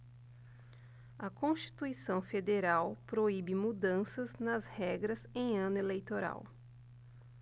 a constituição federal proíbe mudanças nas regras em ano eleitoral